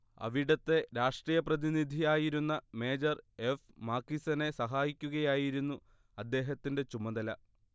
അവിടത്തെ രാഷ്ട്രീയപ്രതിനിധിയായിരുന്ന major F മാക്കിസണെ സഹായിക്കുകയായിരുന്നു അദ്ദേഹത്തിന്റെ ചുമതല